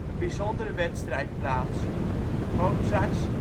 bijzondere wedstrijd plaats: Mozarts